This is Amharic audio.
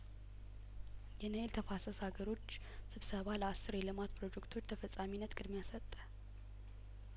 የናይል ተፋሰስ ሀገሮች ስብሰባ ለአስር የልማት ፕሮጀክቶች ተፈጻሚነት ቅድሚያሰጠ